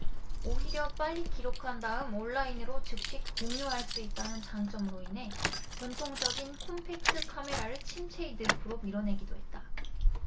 오히려 빨리 기록한 다음 온라인으로 즉시 공유할 수 있다는 장점으로 인해 전통적인 콤팩트 카메라를 침체의 늪으로 밀어내기도 했다